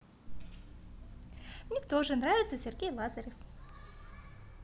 мне тоже нравится сергей лазарев